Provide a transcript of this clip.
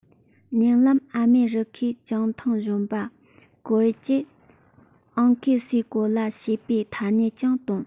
ཉེ ལམ ཨ མེ རི ཁའི ཙུང ཐུང གཞོན པ ཀོ ཨེར གྱིས ཨང ཀིའི སའི གོ ལ ཞེས པའི ཐ སྙད ཀྱང བཏོན